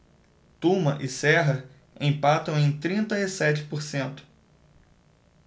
tuma e serra empatam em trinta e sete por cento